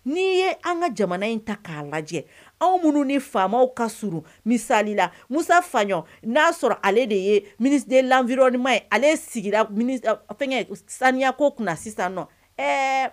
Ni' ye an ka jamana in ta k'a lajɛ anw minnu ni faama ka s misali la musa fa'a sɔrɔ ale de yeden rinma ye ale sigira fɛn saniyako kunna sisan